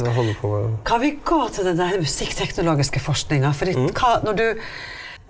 kan vi gå til den der musikkteknologiske forskninga fordi hva når du.